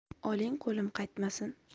oling qo'lim qaytmasin